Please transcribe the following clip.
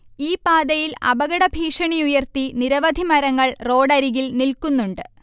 ഈപാതയിൽ അപകടഭീഷണിയുയർത്തി നിരവധി മരങ്ങൾ റോഡരികിൽ നിൽക്കുന്നുണ്ട്